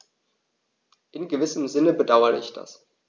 In gewissem Sinne bedauere ich das.